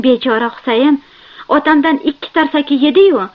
bechora husayn otamdan ikki tarsaki yedi yu